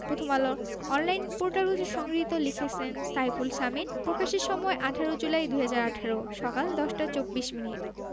প্রথম আলোর online portal হতে সংগৃহীত লিখেছেন সাইফুল সামিন প্রকাশের সময় ১৮ জুলাই ২০১৮ সকাল ১০টা ২৪ মিনিট